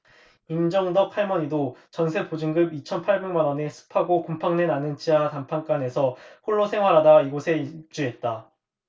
임점덕 할머니도 전세 보증금 이천 팔백 만원의 습하고 곰팡내 나는 지하 단칸방에서 홀로 생활하다 이곳에 입주했다